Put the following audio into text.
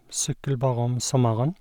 Sykkel bare om sommeren.